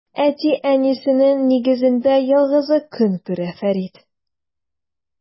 Әти-әнисенең нигезендә ялгызы көн күрә Фәрид.